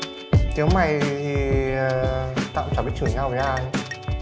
thiếu mày tao cũng chả biết chửi nhau với ai